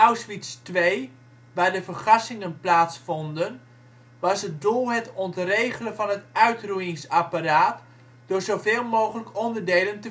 Auschwitz II, waar de vergassingen plaatsvonden, was het doel het ontregelen van het uitroeiingsapparaat door zoveel mogelijk onderdelen